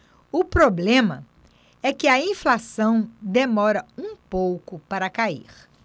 o problema é que a inflação demora um pouco para cair